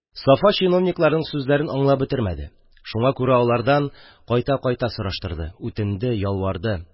Сафа чиновникларның сүзләрен аңлап бетермәде, шуңа күрә алардан кайта-кайта сораштырды, үтенде, ялварды.